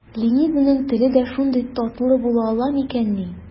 Ленизаның теле дә шундый татлы була ала микәнни?